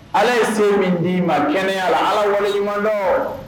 Ala ye se min di ma kɛnɛya la ala waleɲuman dɔn